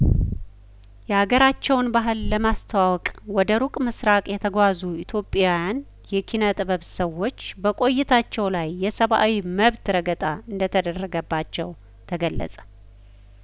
የአገራቸውን ባህል ለማስተዋወቅ ወደ ሩቅ ምስራቅ የተጓዙ ኢትዮጵያን የኪነ ጥበብ ሰዎች በቆይታቸው ላይ የሰብአዊ መብት ረገጣ እንደተደረገባቸው ተገለጸ